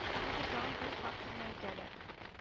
Хәзер тагын бер факторны әйтәләр